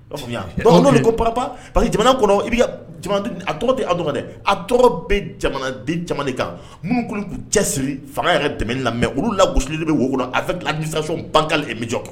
Ko pap pa que jamana kɔnɔ i a tɔgɔ dɛ a tɔgɔ bɛ jamanaden jamana kan minnu cɛ siri fanga yɛrɛ ka dɛmɛ lamɛn mɛ olu lagosili de bɛ woolo a fɛsation bangeka bɛ jɔ kan